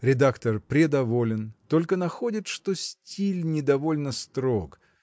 – Редактор предоволен, только находит, что стиль не довольно строг